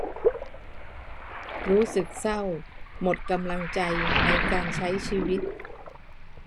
รู้สึกเศร้าหมดกำลังใจในการใช้ชีวิต